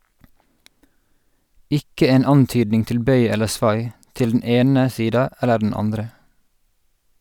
Ikke en antydning til bøy eller svai, til den ene sida eller den andre.